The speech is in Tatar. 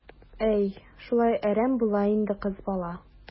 Әй, шулай әрәм була инде кыз бала.